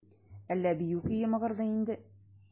Әллә бию көе мыгырдый инде?